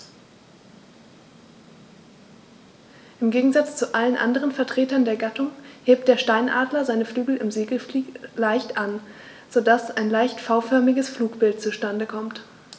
Im Gegensatz zu allen anderen Vertretern der Gattung hebt der Steinadler seine Flügel im Segelflug leicht an, so dass ein leicht V-förmiges Flugbild zustande kommt.